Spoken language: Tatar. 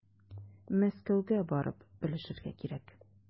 Мәскәүгә барып белешергә кирәк.